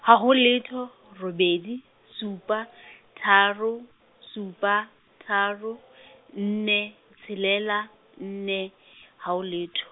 ha ho letho robedi, supa, tharo, supa, tharo, nne, tshelela, nne , ha ho letho.